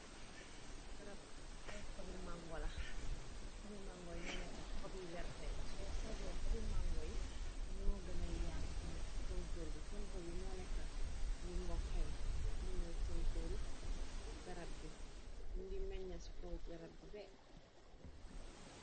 Garab xobi mangoy ñoo neka xobi wertay soo selo xobi mangoy ñoo gënay yaatu tani tuntuur bi tuntur bi moo nekka yu mboxxay nuññuy tuntuur garab bi ñu ngi meña ci kow garab bi be.